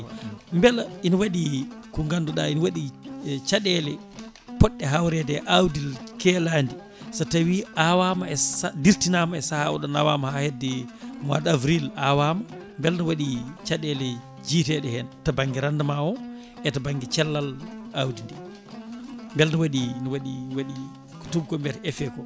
beela ina waɗi ko ganduɗa ina waɗi caɗele poɗɗe awrede e awdi keeladi so tawi awama e dirtinama e saaha oɗon awama ha hedde mois d' fra avril awama beele ne waɗi caɗele jiiteɗe hen to banggue rendement o e to banggue cellal awdi ndi beele ne waɗi ne waɗi ne waɗi ko tubakoɓe mbiyata effet ko